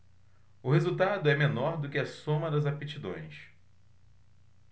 o resultado é menor do que a soma das aptidões